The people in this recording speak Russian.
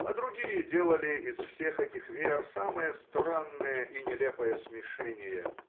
а другие делали из всех этих вер самое странное и нелепое смешение